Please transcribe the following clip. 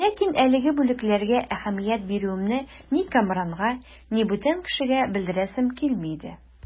Ләкин әлеге бүләкләргә әһәмият бирүемне ни Кәмранга, ни бүтән кешегә белдерәсем килми иде.